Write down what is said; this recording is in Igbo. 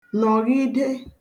nọ̀ghide